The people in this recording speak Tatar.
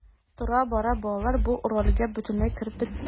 Тора-бара балалар бу рольгә бөтенләй кереп бетте.